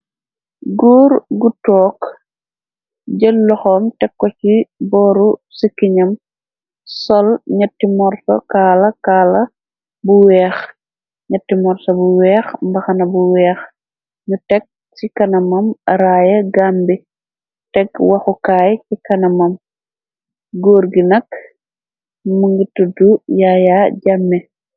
Góor gu toog jël loxom teko ci booru sikenyam, sol ñetti morso kaala kaala bu weex, ñetti morso bu weex, mbaxana bu weex, ñu teg ci kanamam raaye Gambi, teg waxukaay ci kanamam, goor gi nak mu ngi tuddu Yaya Jamme.